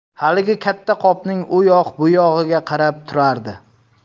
haligi katta qopning u yoq bu yog'iga qarab turardi